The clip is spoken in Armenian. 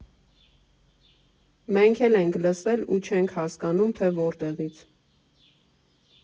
Մենք էլ ենք լսել ու չենք հասկանում, թե որտեղից։